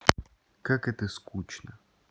как это скучно